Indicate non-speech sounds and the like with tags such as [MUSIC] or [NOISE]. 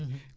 [HESITATION] [HESITATION]